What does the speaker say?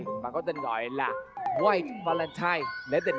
và có tên gọi là goai va len thai